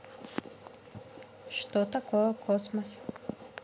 что такое космас